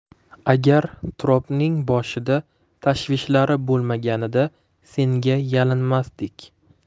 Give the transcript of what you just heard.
agar turobning boshida tashvishlari bo'lmaganida senga yalinmasdik